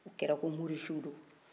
u kɛra ko morisiw don